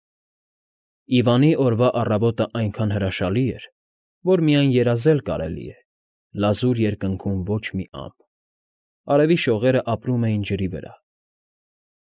Իվանի օրվա առավոտն այնքան հրաշալի էր, որ միայն երազել կարելի է. լազուր երկնքում ոչ մի ամպ, արևի շողերը պարում էին ջրի վրա։